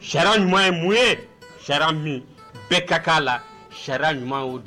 Ca ɲumanuma ye mun yeha min bɛɛ kaa la ca ɲuman o di